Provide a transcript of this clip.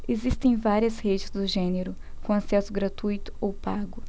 existem várias redes do gênero com acesso gratuito ou pago